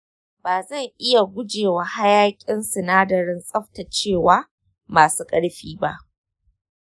ba zan iya gujewa hayaƙin sinadaran tsaftacewa masu ƙarfi ba.